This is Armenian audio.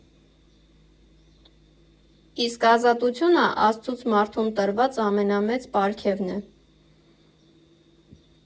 Իսկ ազատությունը Աստծուց մարդուն տրված ամենամեծ պարգևն է։